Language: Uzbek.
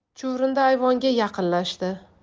chuvrindi ayvonga yaqinlashdi